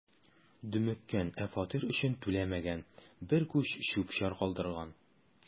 „дөмеккән, ә фатир өчен түләмәгән, бер күч чүп-чар калдырган“.